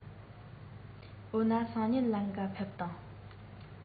འོ ན སང ཉིན ལེན ག ཕེབས དང